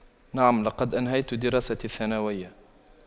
نعم لقد أنهيت دراستي الثانوية